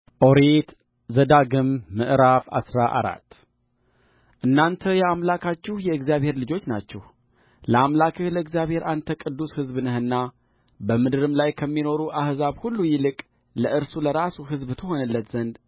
ኦሪት ዘዳግም ምዕራፍ አስራ አራት እናንተ የአምላካችሁ የእግዚአብሔር ልጆች ናችሁ ለአምላክህ ለእግዚአብሔ አንተ ቅዱስ ሕዝብ ነህና በምድርም ላይ ከሚኖሩ አሕዛብ ሁሉ ይልቅ ለእርሱ ለራሱ ሕዝብ ትሆንለት ዘንድ